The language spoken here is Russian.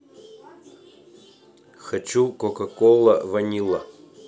хочу кока кола ванилла